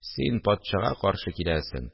Син патшага каршы киләсең